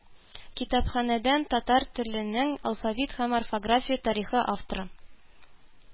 Китапханәдән “Татар теленең алфавит һәм орфография тарихы” авторы